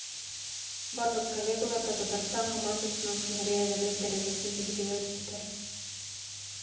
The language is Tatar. Барлык коллегалар да Татарстан командасының һөнәри әзерлек дәрәҗәсен билгеләп үтә.